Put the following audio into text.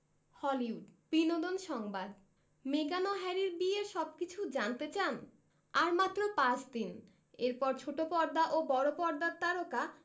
Hollywood বিনোদন সংবাদ মেগান ও হ্যারির বিয়ের সবকিছু জানতে চান আর মাত্র পাঁচ দিন এরপর ছোট পর্দা ও বড় পর্দার তারকা